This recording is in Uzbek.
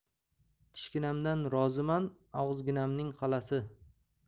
tishginamdan roziman og'izginamning qal'asi